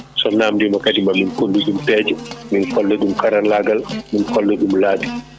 so namdima kadi mamin kolluɗum peeje min kolla ɗum karallagal min kolla ɗum laabi